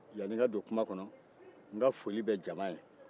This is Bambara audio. yani n ka don kuma kɔnɔ n ka foli bɛ jama ye